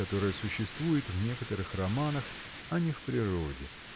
которая существует в некоторых романах а не в природе